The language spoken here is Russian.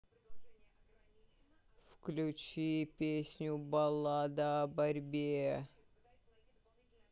включи песню баллада о борьбе